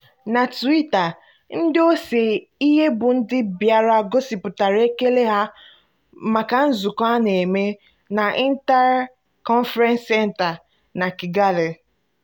Na Twitter, ndị ose ihe bụ ndị bịara gosipụtara ekele ha maka nzukọ a na-eme na Intare conference center na Kigali: